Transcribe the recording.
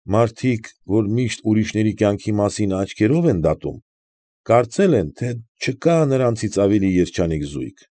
Մարդիկ, որ միշտ ուրիշների կյանքի մասին աչքերով են դատում, կարծել են, թե չկա նրանցից ավելի երջանիկ զույգ։